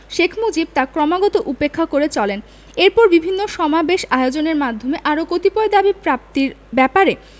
শেখ মুজিব তা ক্রমাগত উপেক্ষা করে চলেন এরপর বিভিন্ন সামবেশ আয়োজনের মাধ্যমে আরো কতিপয় দাবী প্রাপ্তির ব্যপারে